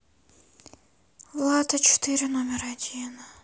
влад а четыре номер один